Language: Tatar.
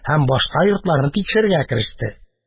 Һәм башка йортларны тикшерергә кереште